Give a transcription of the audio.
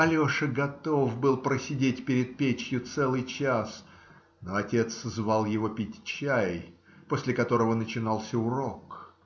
Алеша готов был просидеть перед печью целый час, но отец звал его пить чай, после которого начинался урок.